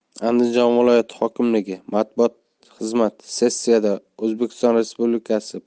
andijon viloyati hokimligi matbuot xizmatisessiyada o'zbekiston respublikasi